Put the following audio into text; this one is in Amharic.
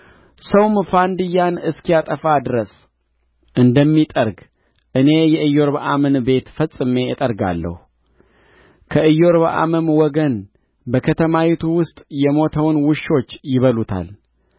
ሰውም ፋንድያን እስኪጠፋ ድረስ እንደሚጠርግ እኔ የኢዮርብዓምን ቤት ፈጽሜ እጠርጋለሁ ከኢዮርብዓምም ወገን በከተማይቱ ውስጥ የሞተውን ውሾች ይበሉታል